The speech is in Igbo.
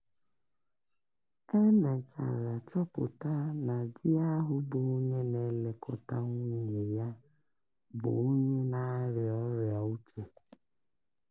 E mechara chọpụta na di ahụ bụ onye na-elekọta nwunye ya, bụ onye na-arịa ọrịa uche.